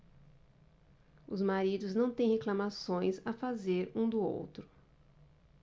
os maridos não têm reclamações a fazer um do outro